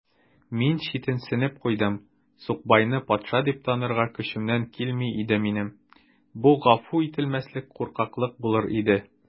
Мин читенсенеп куйдым: сукбайны патша дип танырга көчемнән килми иде минем: бу гафу ителмәслек куркаклык булыр иде.